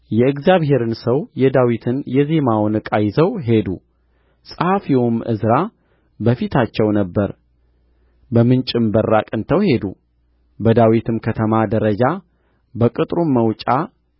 የእግዚአብሔርን ሰው የዳዊትን የዜማውን ዕቃ ይዘው ሄዱ ጸሐፊውም ዕዝራ በፊታቸው ነበረ በምንጭም በር አቅንተው ሄዱ በዳዊትም ከተማ ደረጃ በቅጥሩም መውጫ